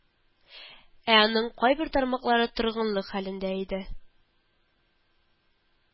Ә аның кайбер тармаклары торгынлык хәлендә иде